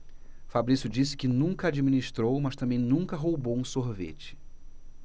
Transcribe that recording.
fabrício disse que nunca administrou mas também nunca roubou um sorvete